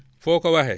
foo ko waxee